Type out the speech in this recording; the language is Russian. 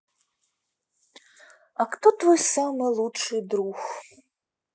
а кто твой самый лучший друг